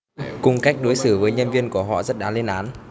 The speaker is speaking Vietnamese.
cung cách đối xử với nhân viên của họ rất đáng lên án